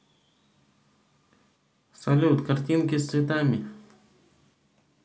салют картинка с цветами